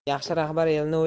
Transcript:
yaxshi rahbar elni o'ylar